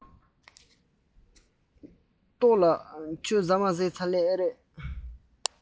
སྟོབས ལགས ཞལ ལག མཆོད སོང ངས